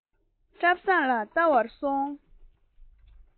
བཀྲ བཟང ལ བལྟ བར སོང